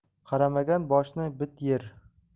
qaramagan boshni bit yer